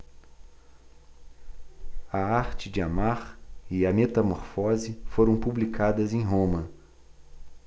a arte de amar e a metamorfose foram publicadas em roma